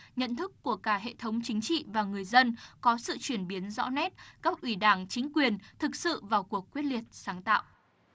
nhận thức của cả hệ thống chính trị và người dân có sự chuyển biến rõ nét cấp ủy đảng chính quyền thực sự vào cuộc quyết liệt sáng tạo